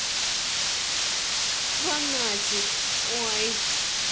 фанатик ой